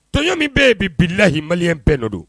Tɔnj min bɛɛ yen bilahi mali bɛɛ don